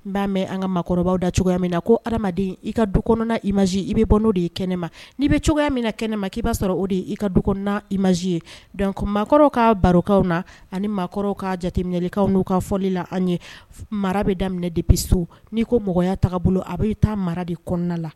N b'a mɛn an ka maakɔrɔba da cogoya min na ko adamaden i ka du kɔnɔna i maz i bɛ bɔ n' de i kɛnɛ ne ma n'i bɛ cogoyaya min na kɛnɛ nema k'i b'a sɔrɔ o de i ka du kɔnɔ i masii ye dɔnc maakɔrɔw ka barokaw na ani maaw ka jateminɛlikaw n'u ka fɔli la an ye mara bɛ daminɛ de bisu n'i ko mɔgɔya taga bolo a b'i taa mara de kɔnɔna la